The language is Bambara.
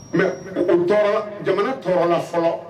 Mɛ o tora jamana tɔɔrɔ la fɔlɔ